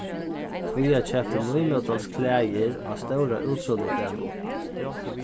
fía keypti nýmótans klæðir á stóra útsøludegnum